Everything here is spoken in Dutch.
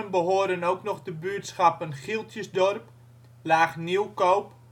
behoren ook nog de buurtschappen: Gieltjesdorp, Laagnieuwkoop